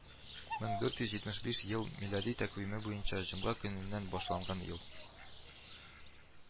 Мең дүрт йөз җитмеш биш ел милади тәкъвиме буенча җомга көненнән башланган ел